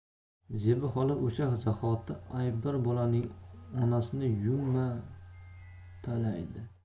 zebi xola o'sha zahoti aybdor bolaning onasini yumma talaydi